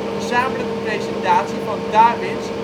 gezamenlijke presentatie van Darwins